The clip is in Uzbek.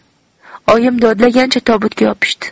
oyim dodlagancha tobutga yopishdi